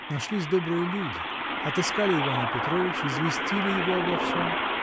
Нашлись добрые люди, отыскали Ивана Петровича, известили его обо всем.